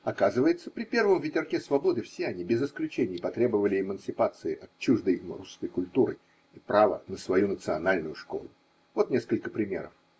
Оказывается, при первом ветерке свободы все они, без исключений, потребовали эмансипации от чуждой им русской культуры и права на свою национальную школу. Вот несколько примеров.